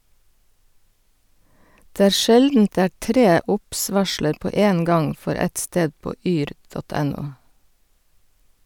Det er sjeldent det er tre obs-varsler på én gang for ett sted på yr .no.